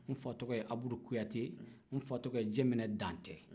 n fa tɔgɔ abudu kuyatɛ n fa tɔgɔ jɛmɛnɛ dantɛ